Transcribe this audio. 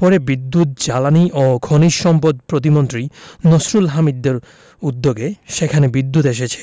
পরে বিদ্যুৎ জ্বালানি ও খনিজ সম্পদ প্রতিমন্ত্রী নসরুল হামিদদের উদ্যোগে সেখানে বিদ্যুৎ এসেছে